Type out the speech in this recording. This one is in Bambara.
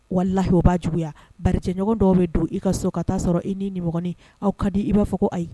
Wala layi o b'a juguya baracɛɲɔgɔn dɔw bɛ don i ka so ka'a sɔrɔ i ni niin aw ka di i b'a fɔ ayi